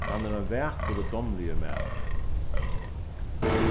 hann er ein vakur og dámligur maður